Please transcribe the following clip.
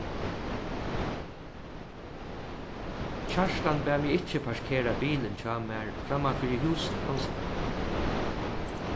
kjartan bað meg ikki parkera bilin hjá mær framman fyri húsum hansara